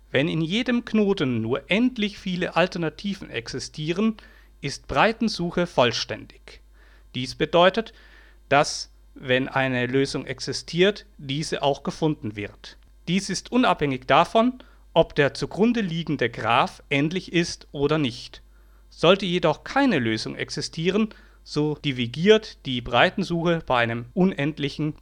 Wenn in jedem Knoten nur endlich viele Alternativen existieren ist Breitensuche vollständig. Dies bedeutet, dass, wenn eine Lösung existiert, diese auch gefunden wird. Dies ist unabhängig davon, ob der zugrundeliegende Graph endlich ist oder nicht. Sollte jedoch keine Lösung existieren, so divergiert die Breitensuche bei einem unendlichen